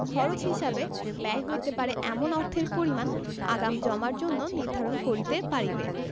খরচ হিসাবে ব্যয় হইতে পারে এমন অর্থের পরিমাণ আগাম জমার জন্য নির্ধারণ করিতে পারিবে